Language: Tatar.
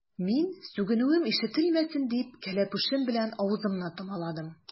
Мин, сүгенүем ишетелмәсен дип, кәләпүшем белән авызымны томаладым.